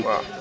waaw